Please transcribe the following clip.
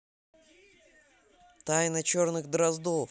тайна черных дроздов